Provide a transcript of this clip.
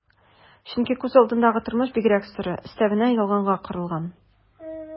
Чөнки күз алдындагы тормыш бигрәк соры, өстәвенә ялганга корылган...